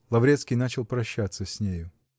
Лаврецкий начал прощаться с нею.